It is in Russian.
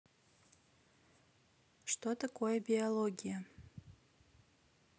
что такое биология